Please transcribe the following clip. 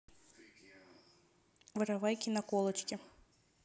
воровайки наколочки